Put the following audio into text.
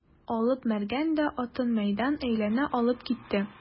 Алып Мәргән дә атын мәйдан әйләнә алып китте.